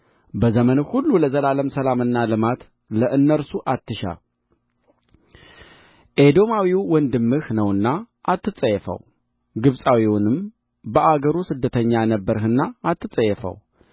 በዘመንህ ሁሉ ለዘላለም ሰላምና ልማት ለእነርሱ አትሻ ኤዶማዊው ወንድምህ ነውና አትጸየፈው ግብፃዊውንም በአገሩ ስደተኛ ነበርህና አትጸየፈው